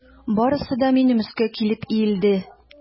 Барысы да минем өскә килеп иелде.